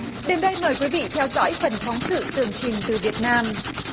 đến đây mời quý vị theo dõi phần phóng sự tường trình từ việt nam